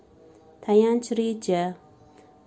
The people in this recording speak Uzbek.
tayanch reja